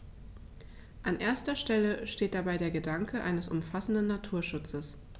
An erster Stelle steht dabei der Gedanke eines umfassenden Naturschutzes.